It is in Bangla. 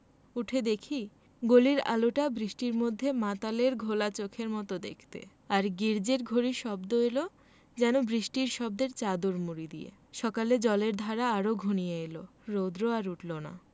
উঠে দেখি গলির আলোটা বৃষ্টির মধ্যে মাতালের ঘোলা চোখের মত দেখতে আর গির্জ্জের ঘড়ির শব্দ এল যেন বৃষ্টির শব্দের চাদর মুড়ি দিয়ে সকালে জলের ধারা আরো ঘনিয়ে এল রোদ্র আর উঠল না